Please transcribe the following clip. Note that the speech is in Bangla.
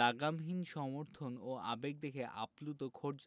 লাগামহীন সমর্থন ও আবেগ দেখে আপ্লুত খোরজ